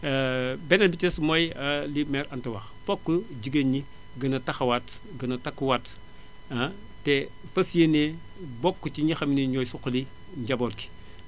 beneen bi ci des mooy li mère Anta wax fokk jigéen ñi gën a taxawaat gën a takkuwaat ah te fas yéene bokk ci ñi nga xam ni ñooy suqali njaboot gi